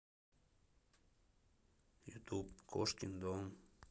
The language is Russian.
ютуб кошкин дом